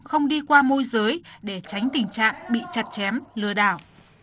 không đi qua môi giới để tránh tình trạng bị chặt chém lừa đảo